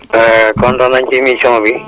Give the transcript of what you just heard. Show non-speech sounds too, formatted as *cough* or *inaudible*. *hesitation* kontaan nañ ci émission bi